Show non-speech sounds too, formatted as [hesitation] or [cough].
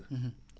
[hesitation] [hesitation]